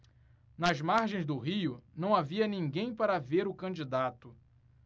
nas margens do rio não havia ninguém para ver o candidato